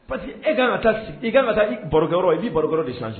Parce que e ka i ka taa baro i b barokɔrɔ de san